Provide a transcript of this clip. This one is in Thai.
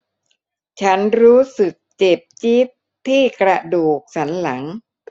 ฉันรู้สึกเจ็บจี๊ดที่กระดูกสันหลัง